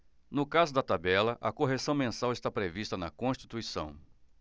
no caso da tabela a correção mensal está prevista na constituição